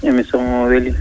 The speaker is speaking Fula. émission o welii